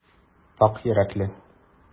Пакь йөрәкле.